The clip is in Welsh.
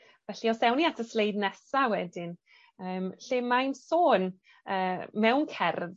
Felly os ewn ni at y sleid nesa wedyn yym lle mae'n sôn yy mewn cerdd